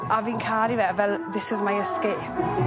A fi'n caru fe fel *this is my escape.